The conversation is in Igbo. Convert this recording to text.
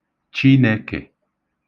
Chinēkè